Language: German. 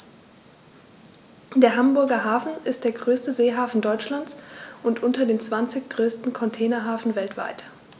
Der Hamburger Hafen ist der größte Seehafen Deutschlands und unter den zwanzig größten Containerhäfen weltweit.